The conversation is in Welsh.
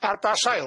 Ar ba sail?